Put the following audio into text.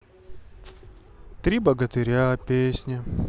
три богатыря песня